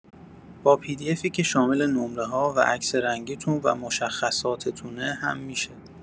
با پی دی افی که شامل نمره‌ها و عکس رنگی‌تون و مشخصاتتونه هم می‌شه